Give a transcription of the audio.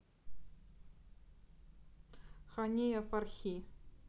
хания фархи